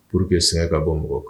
Pour que sɛgɛn ka bɔ mɔgɔ kan